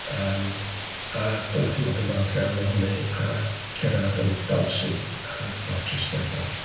Yym, a dyla chi fod yn falch iawn o hynny a cerdded yn dalsyth efo'ch tsestia allan.